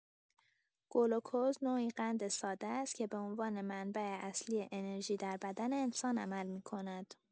گلوکز نوعی قند ساده است که به عنوان منبع اصلی انرژی در بدن انسان عمل می‌کند.